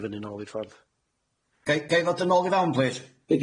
i fyny nôl i'r ffordd. Ga'i ga'i ddod yn ôl i fewn plîs?